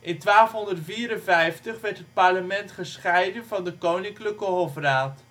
In 1254 werd het Parlement gescheiden van de koninklijke hofraad